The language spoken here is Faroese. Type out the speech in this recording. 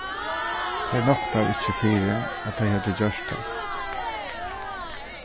tey noktaðu ikki fyri at tey høvdu gjørt tað